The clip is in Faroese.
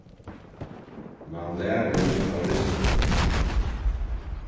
mann lærir av risiko